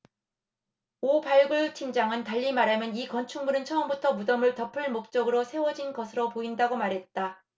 오 발굴팀장은 달리 말하면 이 건축물은 처음부터 무덤을 덮을 목적으로 세워진 것으로 보인다고 말했다